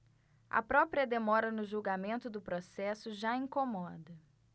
a própria demora no julgamento do processo já incomoda